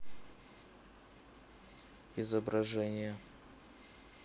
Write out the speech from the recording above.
изображение